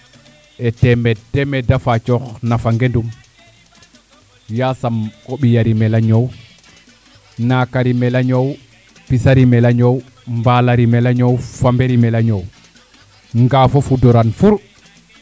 e temeed temeed a pacoox na fa ngenum yasam o mbiya rimel a ñoow naka rimel a ñoow pisa rimel a ñoow mbala rimel a ñoow fambe rimel a ñoow ngafa futaran fur